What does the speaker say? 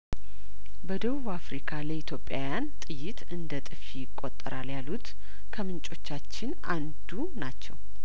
በደቡብ አፍሪካ ለኢትዮጵያውያን ጥይት እንደጥፊ ይቆጠራል ያሉት ከምንጮቻችን አንዱ ናቸው